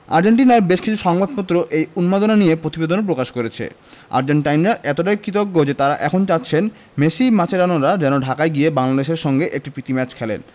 আর্জেন্টিনার বেশ কিছু সংবাদপত্র এই উন্মাদনা নিয়ে প্রতিবেদনও প্রকাশ করেছে আর্জেন্টাইনরা এতটাই কৃতজ্ঞ যে তাঁরা এখন চাচ্ছেন মেসি মাচেরানোরা যেন ঢাকায় গিয়ে বাংলাদেশের সঙ্গে একটি প্রীতি ম্যাচ খেলেন